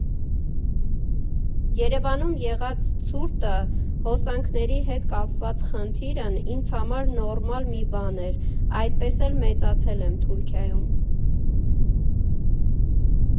Երևանում եղած ցուրտը, հոսանքների հետ կապված խնդիրն ինձ համար նորմալ մի բան էր, այդպես էլ մեծացել եմ Թուրքիայում։